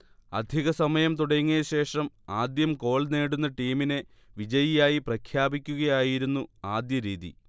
അധിക സമയം തുടങ്ങിയ ശേഷം ആദ്യം ഗോൾ നേടുന്ന ടീമിനെ വിജയിയായി പ്രഖ്യാപിക്കുകയായിരുന്നു ആദ്യ രീതി